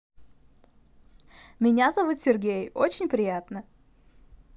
меня зовут сергей очень приятно